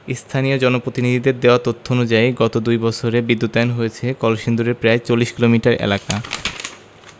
স্থানীয় জনপ্রতিনিধিদের দেওয়া তথ্য অনুযায়ী গত দুই বছরে বিদ্যুতায়ন হয়েছে কলসিন্দুরের প্রায় ৪০ কিলোমিটার এলাকা